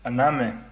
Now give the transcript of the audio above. a n'a mɛn